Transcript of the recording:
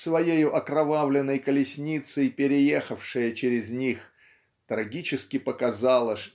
своею окровавленной колесницей переехавшая через них трагически показала